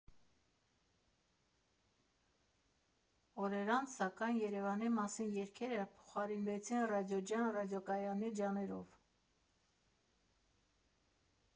Օրեր անց սակայն Երևանի մասին երգերը փոխարինվեցին «Ռադիո Ջան» ռադիոկայանի «ջաներ»֊ով։